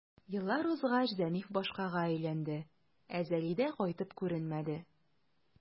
Еллар узгач, Зәниф башкага өйләнде, ә Зәлидә кайтып күренмәде.